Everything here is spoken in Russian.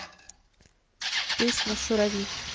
песня шурави